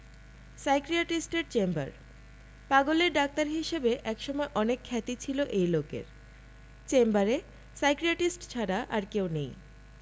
সাইকিয়াট্রিস্টের chamber পাগলের doctor হিসেবে একসময় অনেক খ্যাতি ছিল এই লোকের চেম্বারে সাইকিয়াট্রিস্ট ছাড়া আর কেউ নেই